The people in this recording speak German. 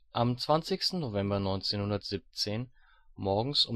Am 20. November 1917 morgens